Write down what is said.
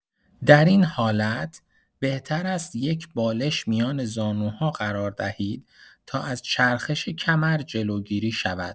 در این حالت، بهتر است یک بالش میان زانوها قرار دهید تا از چرخش کمر جلوگیری شود.